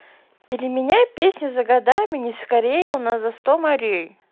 переменяй песню за годами не скорее у нас за сто морей